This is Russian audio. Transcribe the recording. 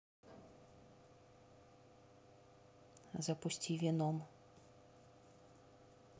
запусти веном